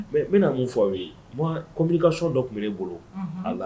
Mɛ n bɛna mun fɔ ye kombilikasɔn dɔ tun bɛ e bolo a la